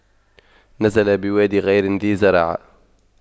نزل بواد غير ذي زرع